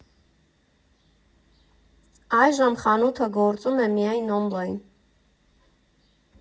Այժմ խանութը գործում է միայն օնլայն։